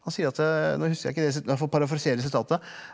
han sier at nå husker jeg ikke det jeg får parafrasere sitatet.